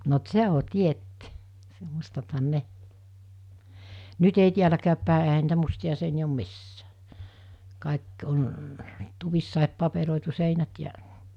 no - se on tietty - mustathan ne nyt ei täälläkään päin eihän niitä mustia seiniä ole missään kaikki on tuvissa paperoitu seinät ja